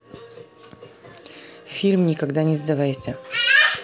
фильм никогда не сдавайся